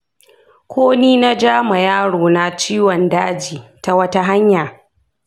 ko ni na ja ma yaro na ciwon daji ta wata hanya?